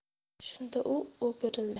shunda u o'girildi